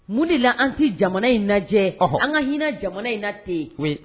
Mun de la an tɛ jamana in lajɛ an ka hinɛ jamana in na ten koyi